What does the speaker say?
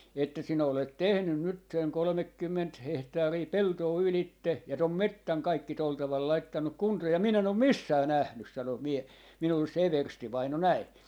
että sinä olet tehnyt nyt sen kolmekymmentä hehtaaria peltoa ylitse ja tuon metsän kaikki tuolla tavalla laittanut kuntoon ja minä en ole missään nähnyt sanoi - minulle se everstivainaja näin